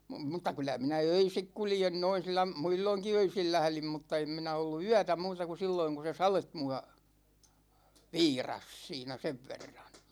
mutta kyllä minä öisin kuljen noin - muulloinkin öisin lähdin mutta en minä ollut yötä muuta kuin silloin kun se sade minua viirasi siinä sen verran